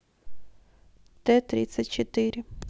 тэ тридцать четыре